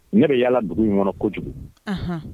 Ne bɛ yala dugu in nkɔnɔ kojugu, anhan